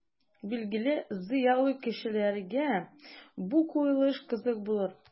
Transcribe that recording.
Билгеле, зыялы кешеләргә бу куелыш кызык булыр.